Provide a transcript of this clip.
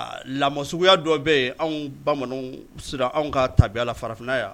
Lamɔ suguya dɔ bɛ yen anw bamananw siran anw ka tabiya la farafinna yan